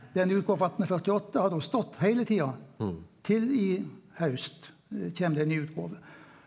den utgåva frå 1848 har då stått heile tida til i haust kjem det ei ny utgåve.